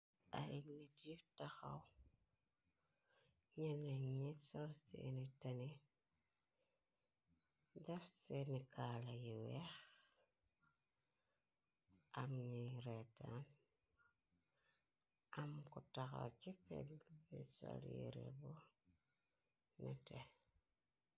Ay nit yu taxaw nyenen ñi sol seeni teni daf seeni kaala yu weex am ñi reetaan am ko taxaw ci pegg bi sol yere bu nete.